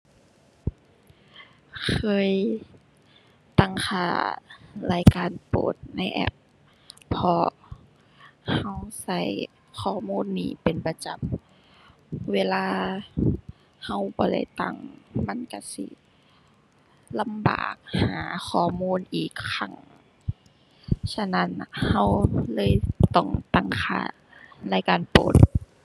เคยตั้งค่ารายการโปรดในแอป เพราะเราเราข้อมูลนี้เป็นประจำ เวลาเราบ่ได้ตั้งมันเราสิลำบากหาข้อมูลอีกครั้ง ฉะนั้นน่ะเราเลยต้องตั้งค่ารายการโปรด